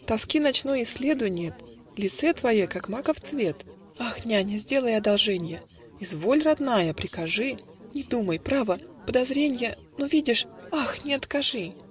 Тоски ночной и следу нет, Лицо твое как маков цвет". - Ах! няня, сделай одолженье. - "Изволь, родная, прикажи". - Не думай. право. подозренье. Но видишь. ах! не откажи.